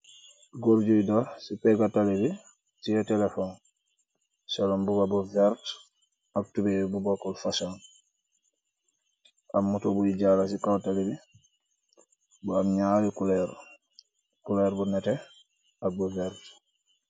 Goorguy dox si pegg talibi tiye telefon. Sol mbuba bu verta ak mbuba bu bookul fasong. Am moto buy jaala ci kow tali bi, bu am ñaari kulor bu nette ak bu verta.